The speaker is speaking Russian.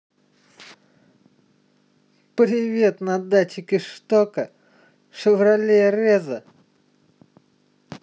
привет на датчике штока шевроле резо